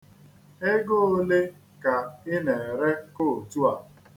Ego ole ka ị na-ere kootu a?